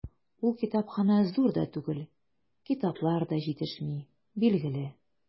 Ул китапханә зур да түгел, китаплар да җитешми, билгеле.